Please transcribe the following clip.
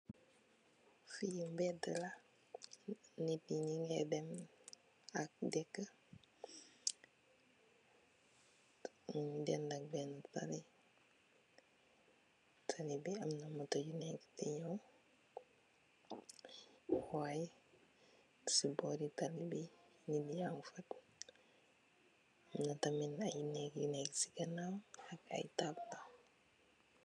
Fi mbeduh la nit yi nyunge dem ak dikuh minge den ndat ak bena tali, tali bi amna motor yufa neka si bori tali nit yang fa ak aye neek